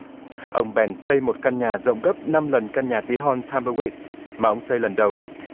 ông bèn xây một căn nhà rộng gấp năm lần căn nhà tí hon thăm bờ uýt mà ông xây lần đầu